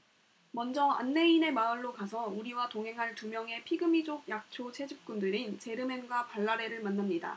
먼저 안내인의 마을로 가서 우리와 동행할 두 명의 피그미족 약초 채집꾼들인 제르멘과 발라레를 만납니다